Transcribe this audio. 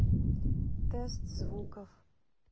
тест звуков